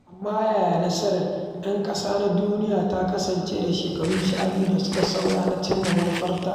Amma yaya nasarar 'Yan Ƙasa na Duniya ta kasance da shekaru 12 da suka saura na cimma manufarta?